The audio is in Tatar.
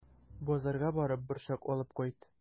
Базарга барып, борчак алып кайт.